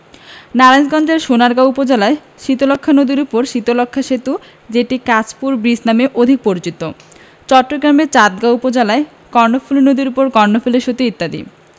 নারায়ণগঞ্জের সোনারগাঁও উপজেলায় শীতলক্ষ্যা নদীর উপর শীতলক্ষ্যা সেতু যেটি কাঁচপুর ব্রীজ নামে অধিক পরিচিত চট্টগ্রামের চাদগাঁও উপজেলায় কর্ণফুলি নদীর উপর কর্ণফুলি সেতু ইত্যাদি